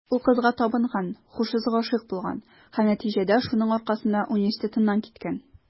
Ул кызга табынган, һушсыз гашыйк булган һәм, нәтиҗәдә, шуның аркасында университеттан киткән.